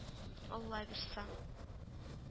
Алла бирса